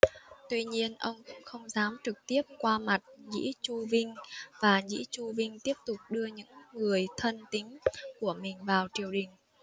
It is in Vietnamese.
tuy nhiên ông cũng không dám trực tiếp qua mặt nhĩ chu vinh và nhĩ chu vinh tiếp tục đưa những người thân tín của mình vào triều đình